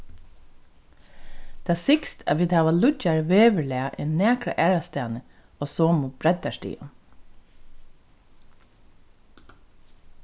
tað sigst at vit hava lýggjari veðurlag enn nakra aðrastaðni á somu breiddarstigum